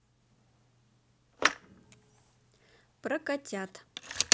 про котят